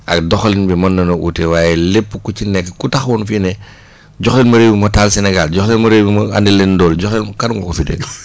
ak doxalin bi mën nanoo uute waaye lépp ku ci nekk ku taxawoon fii ne jox leen ma réew mi ma taal Sénégal jox leen ma réew mi ma andil leen ndóol jox leen kan moo ko fi dégg